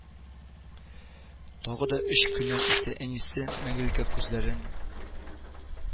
Тагы да өч көннән исә әнисе мәңгелеккә күзләрен